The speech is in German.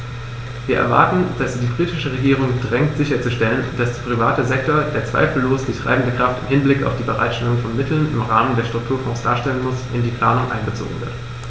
Wir erwarten, dass sie die britische Regierung drängt sicherzustellen, dass der private Sektor, der zweifellos die treibende Kraft im Hinblick auf die Bereitstellung von Mitteln im Rahmen der Strukturfonds darstellen muss, in die Planung einbezogen wird.